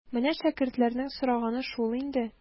Менә шәкертләрнең сораганы шул иде.